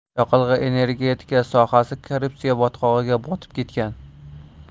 yoqilg'i energetika sohasi korrupsiya botqog'iga botib ketgan